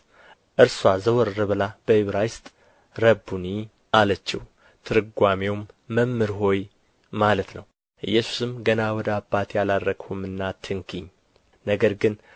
እርስዋ ዘወር ብላ በዕብራይስጥ ረቡኒ አለችው ትርጓሜውም መምህር ሆይ ማለት ነው ኢየሱስም ገና ወደ አባቴ አላረግሁምና አትንኪኝ ነገር ግን